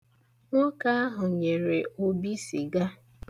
Nwoke ahụ nyere Obi sịga.